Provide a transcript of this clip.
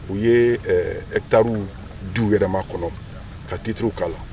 U ye ɛ tari du wɛrɛma kɔnɔ ka titiriuru'